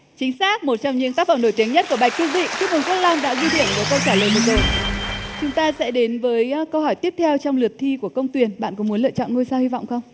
chính xác một trong những tác phẩm nổi tiếng nhất của bạch cư dị chúc mừng quốc long đã ghi điểm với câu trả lời vừa rồi chúng ta sẽ đến với câu hỏi tiếp theo trong lượt thi của công tuyền bạn có muốn lựa chọn ngôi sao hy vọng không